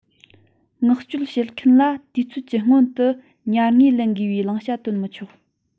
མངགས བཅོལ བྱེད མཁན ལ དུས ཚད ཀྱི སྔོན དུ ཉར དངོས ལེན དགོས པའི བླང བྱ བཏོན མི ཆོག